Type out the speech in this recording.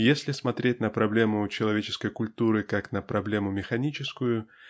Если смотреть на проблему человеческой культуры как на проблему механическую